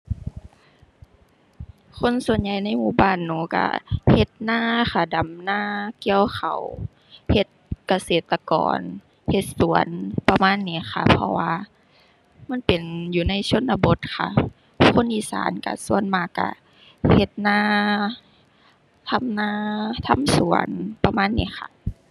คนส่วนใหญ่ในหมู่บ้านหนูก็เฮ็ดนาค่ะ ดำนา เกี่ยวข้าว เฮ็ดเกษตรกร เฮ็ดสวน ประมาณนี้ค่ะ เพราะว่ามันเป็น อยู่ในชนบทค่ะ คนอีสานก็ ส่วนมากก็เฮ็ดนา ทำนา ทำสวน ประมาณนี้ค่ะ